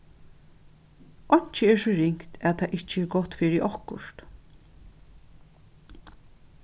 einki er so ringt at tað ikki er gott fyri okkurt